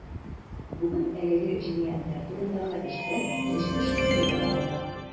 Бүген әлеге җинаятьләр турындагы эштә өч кеше телгә алына.